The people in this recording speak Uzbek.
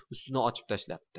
ustini ochib tashlabdi